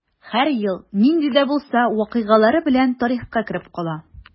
Һәр ел нинди дә булса вакыйгалары белән тарихка кереп кала.